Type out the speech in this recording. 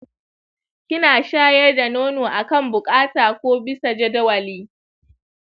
kina shayar da nono akan buƙata ko bisa jadawali?